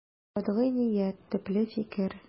Катгый ният, төпле фикер.